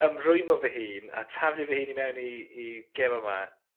ymrwymo fy hun a taflu fy hun i mewn i i gêm yma